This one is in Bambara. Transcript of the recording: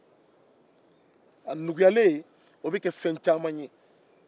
a nuguyalen bɛ kɛ fɛn caman ye